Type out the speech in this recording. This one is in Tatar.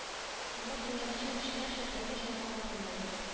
Алар дөньяда чын кешеләрчә торыр өчен хакларын даулыйлар